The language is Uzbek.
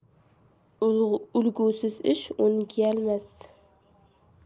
ulgusiz ish o'ng'almas